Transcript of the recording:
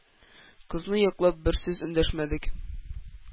Кызны яклап бер сүз эндәшмәдек.